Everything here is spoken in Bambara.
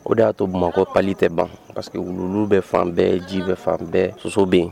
O de y'a to bamakɔkɔ pali tɛ ban parceri que wulu bɛ fan bɛɛ ji bɛ fan bɛɛ soso bɛ yen